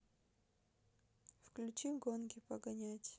включи гонки погонять